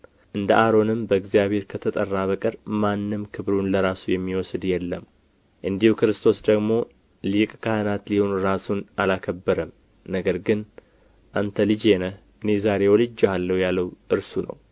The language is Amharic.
እንደ አሮንም በእግዚአብሔር ከተጠራ በቀር ማንም ክብሩን ለራሱ የሚወስድ የለም እንዲሁ ክርስቶስ ደግሞ ሊቀ ካህናት ሊሆን ራሱን አላከበረም ነገር ግን አንተ ልጄ ነህ እኔ ዛሬ ወልጄሃለሁ ያለው እርሱ ነው